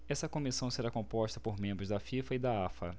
essa comissão será composta por membros da fifa e da afa